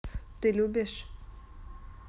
ты любишь